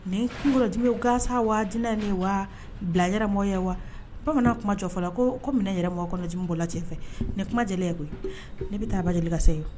Nin kumaji gansa wa nin wa bila yɛrɛmɔgɔ ye wa bamanan kuma jɔ la ko ko minɛn mɔgɔ kɔnɔji' la cɛfɛ kumajɛ koyi ne bɛ taa ba jeli kasɛ ye